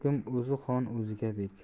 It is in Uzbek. xon o'ziga bek